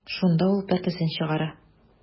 Шунда ул пәкесен чыгара.